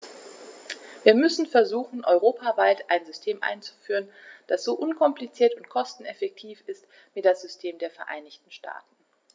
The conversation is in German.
Wir müssen versuchen, europaweit ein System einzuführen, das so unkompliziert und kosteneffektiv ist wie das System der Vereinigten Staaten.